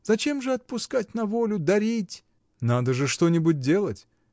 — Зачем же отпускать на волю, дарить? — Надо же что-нибудь делать!